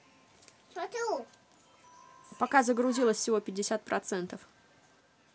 пока загрузилось всего пятьдесят процентов